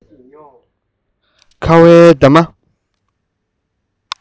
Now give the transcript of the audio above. ཁ བའི འདབ མ